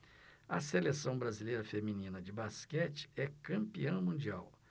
a seleção brasileira feminina de basquete é campeã mundial